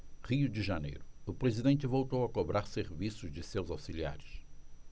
rio de janeiro o presidente voltou a cobrar serviço de seus auxiliares